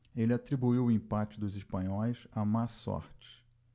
ele atribuiu o empate dos espanhóis à má sorte